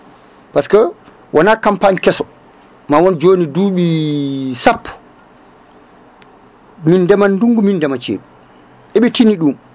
par ce que wona campagne kesso ma won joni duuɓi sappo min ndeman ndungu min ndeema ceeɗu eɓi tini ɗum